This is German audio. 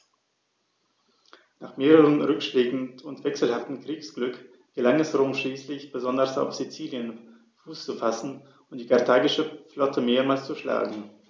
Nach mehreren Rückschlägen und wechselhaftem Kriegsglück gelang es Rom schließlich, besonders auf Sizilien Fuß zu fassen und die karthagische Flotte mehrmals zu schlagen.